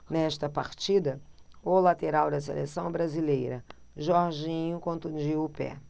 nesta partida o lateral da seleção brasileira jorginho contundiu o pé